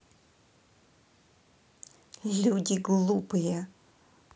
люди глупые